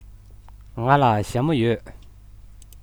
ང ལ ཞྭ མོ ཡོད